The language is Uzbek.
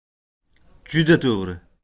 juda to'g'ri